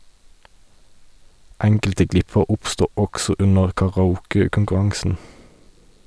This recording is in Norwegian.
Enkelte glipper oppstod også under karaoke-konkurransen.